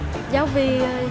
giáo viên